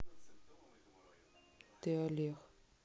ты олег